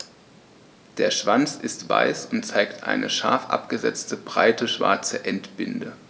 Der Schwanz ist weiß und zeigt eine scharf abgesetzte, breite schwarze Endbinde.